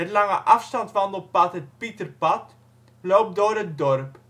langeafstandswandelpad het Pieterpad loopt door het dorp